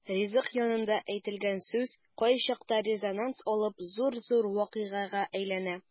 Ризык янында әйтелгән сүз кайчакта резонанс алып зур-зур вакыйгага әйләнә.